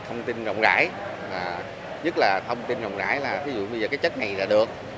thông tin rộng rãi à nhất là thông tin rộng rãi là thí dụ bây giờ cái chất này là được